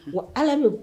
Wa allah don!